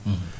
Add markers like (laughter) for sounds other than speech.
(hesitation) (hesitation)